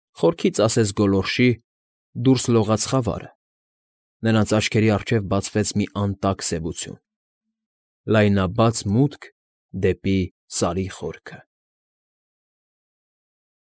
Խորքից, ասես գոլորշի, դուրս լողաց խավարը, նրանց աչքերի առջև բացվեց մի անտակ սևություն՝ լայնաբաց մուտքը դեպի Սարի խորքը։